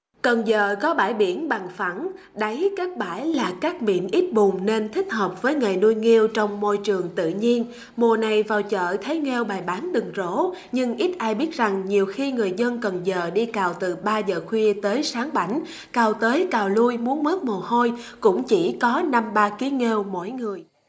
cần giờ có bãi biển bằng phẳng đáy các bãi là cát biển ít bùn nên thích hợp với nghề nuôi nghêu trong môi trường tự nhiên mùa này vào chợ thấy nghêu bày bán từng rổ nhưng ít ai biết rằng nhiều khi người dân cần giờ đi cào từ ba giờ khuya tới sáng bảnh cào tới cào lui muốn mướt mồ hôi cũng chỉ có năm ba ký nghêu mỗi người